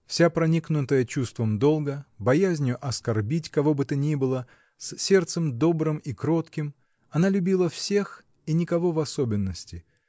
Вся проникнутая чувством долга, боязнью оскорбить кого бы то ни было, с сердцем добрым и кротким, она любила всех и никого в особенности